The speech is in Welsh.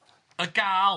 Y Gal.